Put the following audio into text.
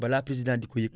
balaa président di ko yëg